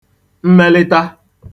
mmelịta